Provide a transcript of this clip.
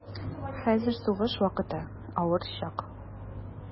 Хәзер сугыш вакыты, авыр чак.